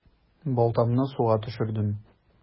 Балтамны суга төшердем.